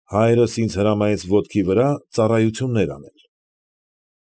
Հայրս ինձ հրամայեց ոտքի վրա ծառայություններ անել։